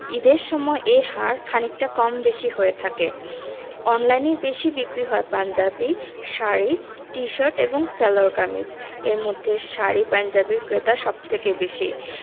ঈদের সময় এ হার খানিকটা কম বেশি হয়ে থাকে অনলাইনে বেশি বিক্রি হয় পাঞ্জাবি শাড়ি টি শার্ট এবং সালোয়ার কামিজ এর মধ্যে শাড়ি পাঞ্জাবির ক্রেতা সব থেকে বেশি